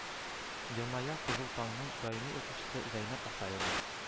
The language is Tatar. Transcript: Елмая “кызыл таң”ның даими укучысы зәйнәп асаева